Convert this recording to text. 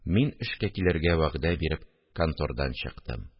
Мин, эшкә килергә вәгъдә биреп, контордан чыктым